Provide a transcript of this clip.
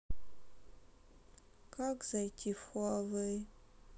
как зайти в хуавей